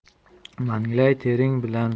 manglay tering bilan